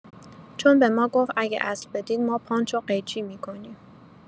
چون به ما گفت اگه اصل بدید ما پانچ و قیچی می‌کنیم